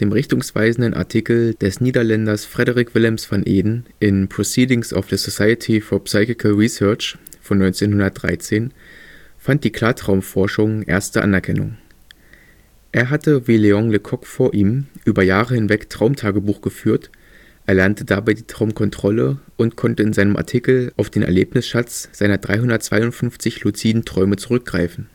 richtungsweisenden Artikel des Niederländers Frederik Willems van Eeden in Proceedings of the Society for Psychical Research (1913) fand die Klartraumforschung erste Anerkennung. Er hatte, wie Léon le Coq vor ihm, über Jahre hinweg Traumtagebuch geführt, erlernte dabei die Traumkontrolle und konnte in seinem Artikel auf den Erlebnisschatz seiner 352 luziden Träume zurückgreifen